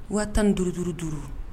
Wa 15 5 5.